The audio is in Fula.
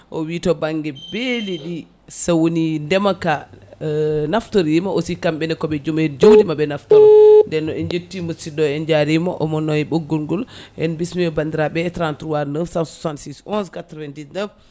o wii to banggue beeli ɗi so woni ndeema ka naftorima aussi kamɓene kooɓe joom en jawdi maaɓe naftoro nden en jetti musidɗo en jarimo omona e ɓoggol ngol en bismima bandirɓe e 33 966 11 991